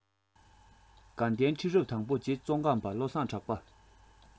དགའ ལྡན ཁྲི རབས དང པོ རྗེ ཙོང ཁ པ བློ བཟང གྲགས པ